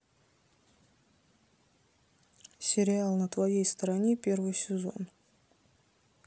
сериал на твоей стороне первый сезон